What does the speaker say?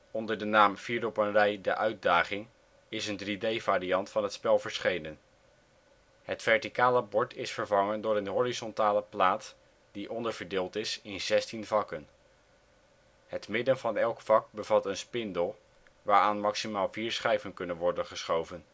Onder de naam Vier op ' n rij: de uitdaging is een 3D-variant van het spel verschenen. Het verticale bord is vervangen door een horizontale plaat die is onderverdeeld in 16 vakken. Het midden van elk vak bevat een spindel, waaraan maximaal vier schijven kunnen worden geschoven